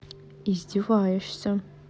издеваешься